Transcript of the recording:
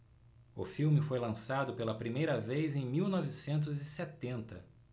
o filme foi lançado pela primeira vez em mil novecentos e setenta